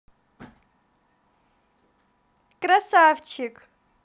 красавчик